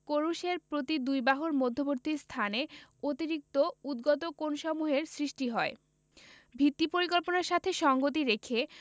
ক্রুশের প্রতি দুই বাহুর মধ্যবর্তী স্থানে অতিরিক্ত উদ্গত কোণসমূহের সৃষ্টি হয় ভিত্তি পরিকল্পনার সাথে সঙ্গতি রেখে